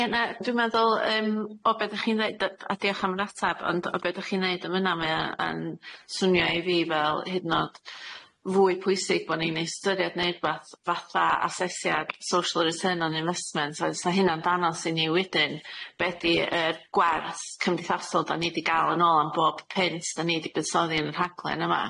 Ie na, dwi meddwl yym o be' dych chi'n ddeud yy a diolch am yr atab ond, o be dych chi'n neud yn fan 'na mae o yn swnio i fi fel hydnod fwy pwysig bo' ni'n neud ystyried neud rwbath fatha asesiad social return on investment a oes 'na hynna'n danos i ni wedyn be di yr gwars cymdeithasol da ni di ga'l yn ôl am bob punt da ni di buddsoddi yn y rhaglen yma.